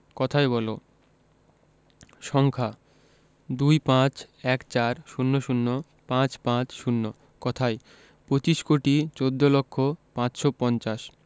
কথায় বলঃ সংখ্যাঃ ২৫ ১৪ ০০ ৫৫০ কথায়ঃ পঁচিশ কোটি চৌদ্দ লক্ষ পাঁচশো পঞ্চাশ